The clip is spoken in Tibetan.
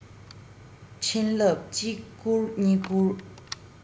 འཕྲིན ལབ གཅིག བསྐུར གཉིས བསྐུར